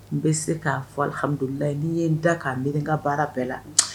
N bɛ se k'a fɔmdula n'i ye n da k'a mi baara bɛɛ la